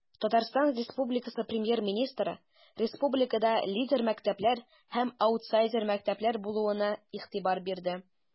ТР Премьер-министры республикада лидер мәктәпләр һәм аутсайдер мәктәпләр булуына игътибар бирде.